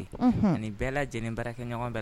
Unhun, ani bɛɛ lajɛlen baarakɛ ɲɔgɔn bɛ